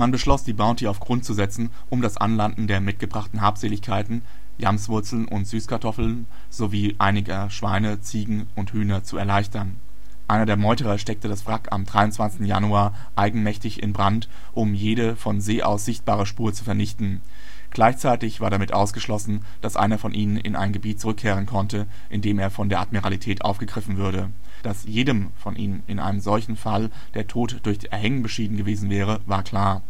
beschloss, die Bounty auf Grund zu setzen, um das Anlanden der mitgebrachten Habseligkeiten, Yamswurzeln und Süßkartoffeln sowie einiger Schweine, Ziegen und Hühner zu erleichtern. Einer der Meuterer steckte das Wrack am 23. Januar eigenmächtig in Brand, um jede von See aus sichtbare Spur zu vernichten. Gleichzeitig war damit ausgeschlossen, dass einer von ihnen in ein Gebiet zurückkehren konnte, in dem er von der Admiralität aufgegriffen würde: Dass jedem von ihnen in einem solchen Fall der Tod durch Erhängen beschieden gewesen wäre, war